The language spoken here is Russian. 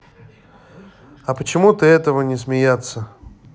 а почему ты этого не смеяться